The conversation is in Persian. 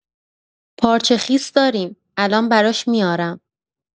پارچه خیس داریم، الان براش میارم.